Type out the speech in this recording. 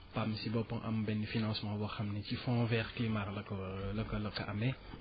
PAM si boppam am benn financement boo xam ne si fond vers climat la ko la ko la ko amee